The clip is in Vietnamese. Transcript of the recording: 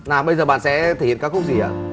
nào bây giờ bạn sẽ thể hiện ca khúc gì ạ